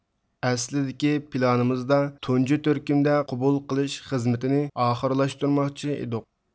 ئەسلىدىكى پىلانىمىزدا تۇنجى تۈركۈمدە قوبۇل قىلىش خىزمىتىنى ئاخىرلاشتۇرماقچى ئىدۇق